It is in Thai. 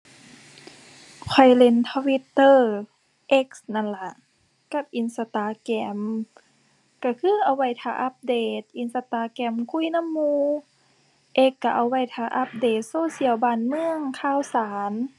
ข้อยเล่น Twitter X นั่นล่ะ กับ Instagram ก็คือเอาไว้ถ้าอัปเดต Instagram คุยนำหมู่ X ก็เอาไว้ท่าอัปเดตโซเชียล บ้านเมือง ข่าวสาร